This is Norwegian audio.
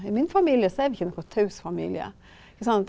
i min familie så er vi ikke noen taus familie ikke sant.